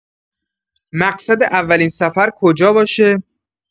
مقصد اولین سفر کجا باشه؟